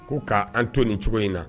K ko k'an to nin cogo in na